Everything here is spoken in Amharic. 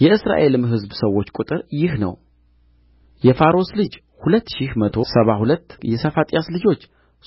የእስራኤልም ሕዝብ ሰዎች ቍጥር ይህ ነው የፋሮስ ልጆች ሁለት ሺህ መቶ ሰባ ሁለት የሰፋጥያስ ልጆች